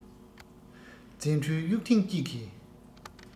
རྫས འཕྲུལ གཡུགས ཐེངས གཅིག གིས